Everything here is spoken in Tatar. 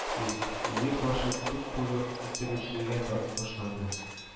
Үк өер башы туп-туры үтерүчегә та ташланды